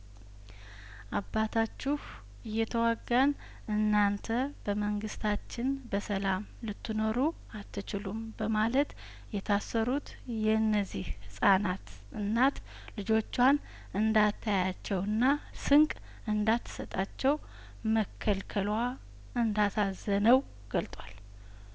አባታችሁ እየተዋጋን እናንተ በመንግስታችን በሰላም ልትኖሩ አትችሉም በማለት የታሰሩት የእነዚህ ህጻናት እናት ልጆቿን እንዳ ታያቸውና ስንቅ እንዳት ሰጣቸው መከልከሏ እንዳሳዘነው ገልጧል